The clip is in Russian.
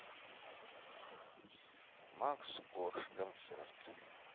макс корж концерт